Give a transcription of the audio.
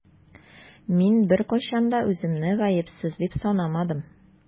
Мин беркайчан да үземне гаепсез дип санамадым.